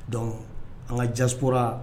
Donc an ka diaspora